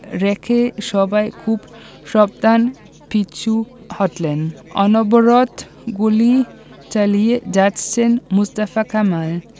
রেখে সবাই খুব সাবধানে পিছু হটলেন অনবরত গুলি চালিয়ে যাচ্ছেন মোস্তফা কামাল